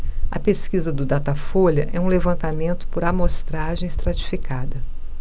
a pesquisa do datafolha é um levantamento por amostragem estratificada